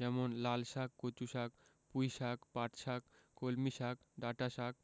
যেমন লালশাক কচুশাক পুঁইশাক পাটশাক কলমিশাক ডাঁটাশাক